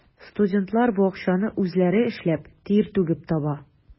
Студентлар бу акчаны үзләре эшләп, тир түгеп таба.